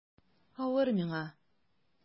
Авыр миңа...